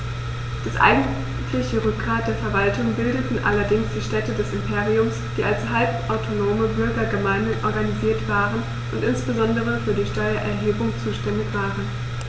Das eigentliche Rückgrat der Verwaltung bildeten allerdings die Städte des Imperiums, die als halbautonome Bürgergemeinden organisiert waren und insbesondere für die Steuererhebung zuständig waren.